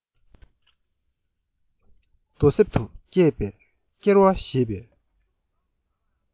རྡོ གསེབ ཏུ སྐྱེས པའི སྐྱེར བ ཞེས པའི